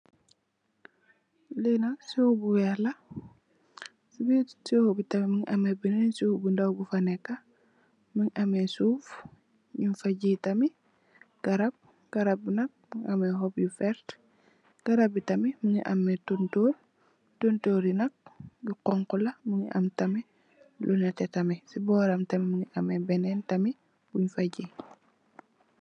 Li nak siwo bu weex la si birir siwo bi mogi ame benen siwo bu ndaw bufa nekka mogi ame suuf nyu fa gii tamit garab garab bi nak mogi ame cop yu vertah garab bi tamit mogi ame tonturr tonturr yi nak bu xonxu la mogi ame tamit lu nete tamit si boram tamit mung fa am benen bung fa gii.